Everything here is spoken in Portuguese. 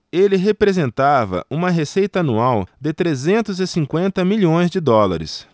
ele representava uma receita anual de trezentos e cinquenta milhões de dólares